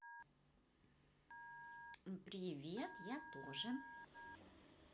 привет я тоже